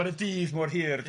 gafon y dydd mor hir ynde.